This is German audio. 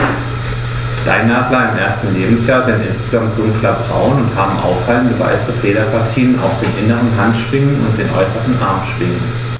Steinadler im ersten Lebensjahr sind insgesamt dunkler braun und haben auffallende, weiße Federpartien auf den inneren Handschwingen und den äußeren Armschwingen.